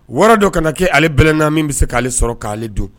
Wara dɔ ka na kɛ ale bɛlɛna min bɛ se k'ale sɔrɔ k'ale dun